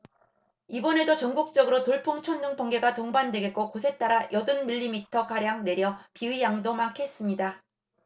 이번에도 전국적으로 돌풍 천둥 번개가 동반되겠고 곳에 따라 여든 밀리미터 가량 내려 비의 양도 많겠습니다